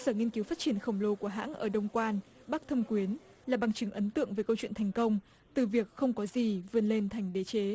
sở nghiên cứu phát triển khổng lồ của hãng ở đông quan bắc thâm quyến là bằng chứng ấn tượng về câu chuyện thành công từ việc không có gì vươn lên thành đế chế